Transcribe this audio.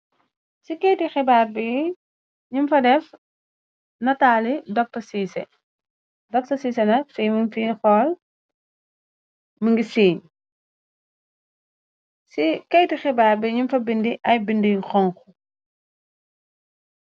Si kayiti xibaar bi ñum fa def, nataali Dogta Siise, Dogta Siise nak fi mug fe xool, mi ngi seeñ, ci keyiti xibaar bi ñum fa bindi ay bindi yu xonxu.